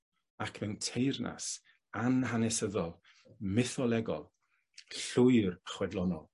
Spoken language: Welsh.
ac mewn teyrnas an-hanesyddol mytholegol llwyr chwedlonol.